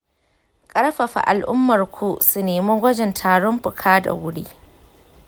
ƙarfafa al'ummarku su nemi gwajin tarin fuka da wuri.